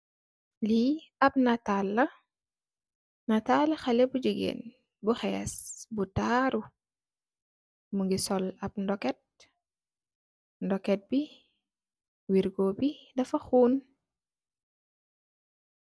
Li am nittali la. Nitalyu xaleh bu gigeen bu xes bu taaru mugii sol ap ndoket, ndoket bi wirgo bi dafa xuun.